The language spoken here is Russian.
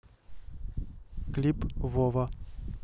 клип вова